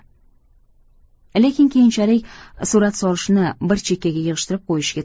lekin keyinchalik surat solishni bir chekkaga yig'ishtirib qo'yishga